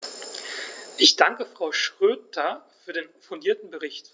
Ich danke Frau Schroedter für den fundierten Bericht.